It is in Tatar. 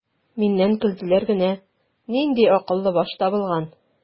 Миннән көлделәр генә: "Нинди акыллы баш табылган!"